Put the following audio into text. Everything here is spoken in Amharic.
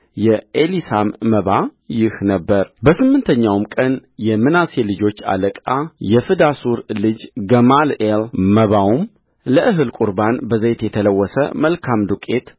የኤሊሳማ መባ ይህ ነበረበስምንተኛውም ቀን የምናሴ ልጆች አለቃ የፍዳሱር ልጅ ገማልኤልመባውም ለእህል ቍርባን በዘይት የተለወሰ መልካም ዱቄት